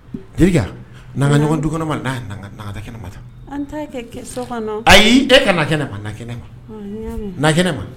Jelika na an ka ɲɔgɔn ye dukɛnɛ ma, na yan, na an ka taa kɛnɛ ma tan, ee an t'a kɛ so kɔnɔn? Ayi, e ka nakɛnɛma, na kɛnɛ ma, ɔn n y'a mɛn, na kɛnɛ ma.